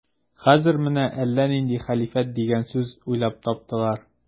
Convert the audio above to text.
Хәзер менә әллә нинди хәлифәт дигән сүз уйлап таптылар.